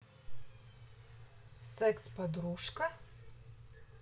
секс подружка